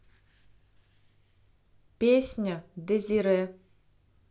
песня desire